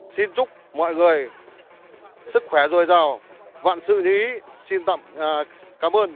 xin chúc mọi người sức khỏe dồi dào vạn sự như ý xin tặng ờ cám ơn